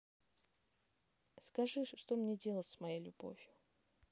скажи что мне делать с моей любовью